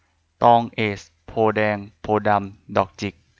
ตองเอซโพธิ์แดงโพธิ์ดำดอกจิก